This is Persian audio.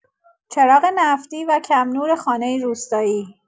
چراغ نفتی و کم‌نور خانه روستایی